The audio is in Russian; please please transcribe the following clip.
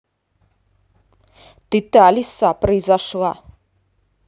ты та лиса произошла